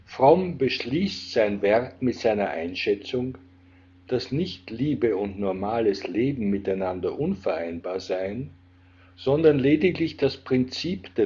Fromm beschließt sein Werk mit seiner Einschätzung, dass nicht Liebe und normales Leben miteinander unvereinbar seien, sondern lediglich das Prinzip